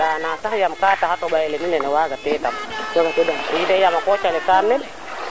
aussi tamit xa tima xea ando naye nuun wey utiliser an kama ɗinga le refa jafe jafe na nuun